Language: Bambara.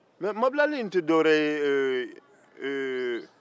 mɛ mabilali nin tɛ dɔwɛrɛ yen ɛɛ ɛɛ